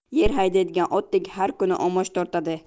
yer haydaydigan otdek har kuni omoch tortadi